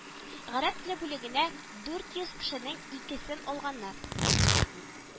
Гарәп теле бүлегенә дүрт йөз кешенең икесен алганнар